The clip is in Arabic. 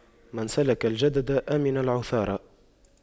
من سلك الجدد أمن العثار